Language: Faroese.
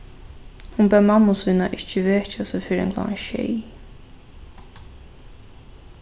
hon bað mammu sína ikki vekja seg fyrr enn klokkan sjey